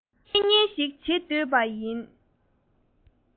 བཤེས གཉེན ཞིག བྱེད འདོད པ ཡིན